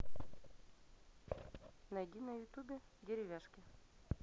найди на ютубе деревяшки